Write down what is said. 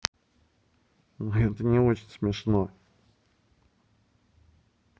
ну это не очень смешно